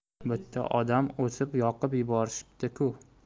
bitta odamni osib yoqib yuborishibdi ku